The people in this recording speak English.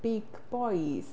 Big Boys.